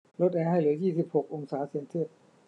ลดแอร์ให้เหลือยี่สิบหกองศาเซลเซียส